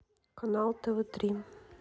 канал тв три